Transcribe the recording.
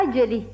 bara joli